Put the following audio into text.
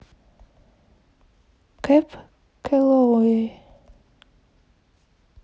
кэб кэллоуэй